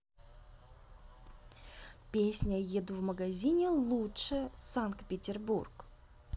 песня еду в магазине лучше санкт петербург